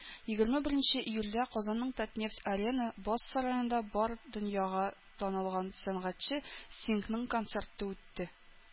Егерме беренче июльдә Казанның "Татнефть-Арена" боз сараенда бар дөньяга танылган сәнгатьче Стингның концерты үтте.